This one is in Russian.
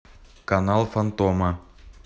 канал фантома